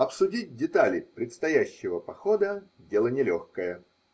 Обсудить детали предстоящего похода -- дело нелегкое.